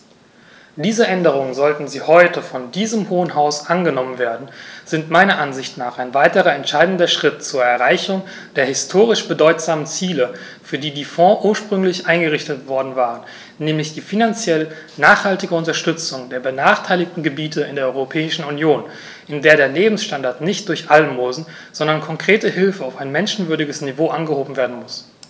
Diese Änderungen, sollten sie heute von diesem Hohen Haus angenommen werden, sind meiner Ansicht nach ein weiterer entscheidender Schritt zur Erreichung der historisch bedeutsamen Ziele, für die die Fonds ursprünglich eingerichtet worden waren, nämlich die finanziell nachhaltige Unterstützung der benachteiligten Gebiete in der Europäischen Union, in der der Lebensstandard nicht durch Almosen, sondern konkrete Hilfe auf ein menschenwürdiges Niveau angehoben werden muss.